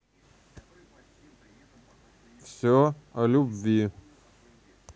все о любви